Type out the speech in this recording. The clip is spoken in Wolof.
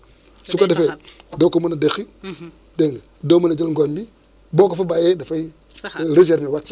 incha allah am nañu yaakaar ni dinañ am ndox surtout nag le samedi parce que actuellement dafa am benn onde bi nga xamante ni bi gis nañ ko